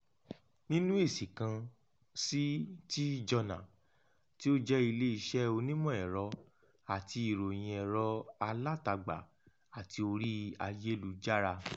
Nínú èsì kan sí TJournal, tí ó jẹ́ iléeṣẹ́ onímọ̀-ẹ̀rọ àti ìròyìn ẹ̀rọ alátagbà àti orí ayélujára.